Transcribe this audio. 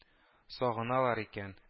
Сагыналар икән